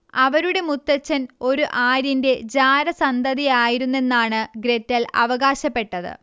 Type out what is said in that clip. അവരുടെ മുത്തച്ഛൻ ഒരു ആര്യന്റെ ജാരസന്തതിയായിരുന്നെന്നാണ് ഗ്രെറ്റൽ അവകാശപ്പെട്ടത്